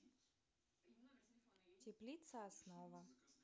теплица основа